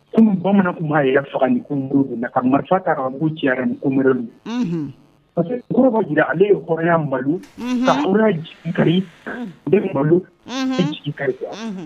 Kunun bamanan tun' faga ni kun ka marifa ta cɛ kun parce que jira ale ye kɔrɔya malo fa kari malo kari